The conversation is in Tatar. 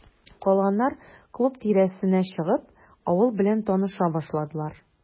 Калганнар, клуб тирәсенә чыгып, авыл белән таныша башладылар.